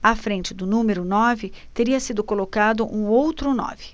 à frente do número nove teria sido colocado um outro nove